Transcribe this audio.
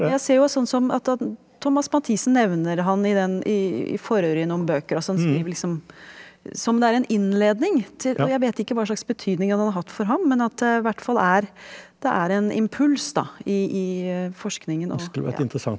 jeg ser jo sånn som at at Thomas Mathisen nevner han i den i forordet i noen bøker og sånn skriver liksom som det er en innledning til og jeg vet ikke hva slags betydning han har hatt for ham men at det hvert fall er det er en impuls da i i forskningen og ja.